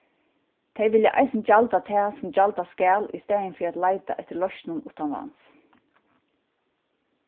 tey vilja eisini gjalda tað sum gjaldast skal í staðin fyri at leita eftir loysnum uttanlands